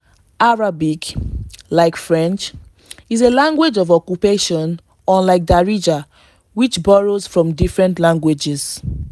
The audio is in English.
Arabic, like French, is a language of occupation unlike Darija which borrows from different languages.